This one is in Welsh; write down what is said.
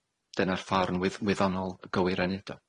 Dyna'r ffor wydd- wyddonol gywir o neud o.